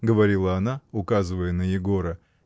— говорила она, указывая на Егора.